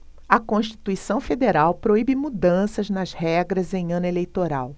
a constituição federal proíbe mudanças nas regras em ano eleitoral